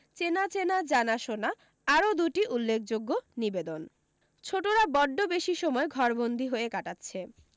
চেনা চেনা জানা শোনা আরও দুটি উল্লেখযোগ্য নিবেদন ছোটরা বডড বেশী সময় ঘরবন্দি হয়ে কাটাচ্ছে